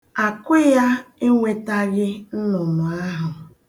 Akụ ya enwetaghị nnụnụ ahụ.